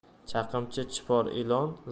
chaqimchi chipor ilon